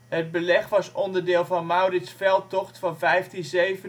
Het beleg was onderdeel van Maurits ' veldtocht van 1597